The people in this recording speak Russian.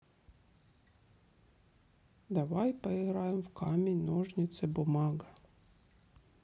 давай поиграем в камень ножницы бумага